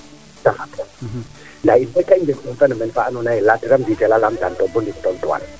nda in de ka i ndef un phenomene faa ando naye Latir a Mbiselle a laam tan to bo ndiik tontu waan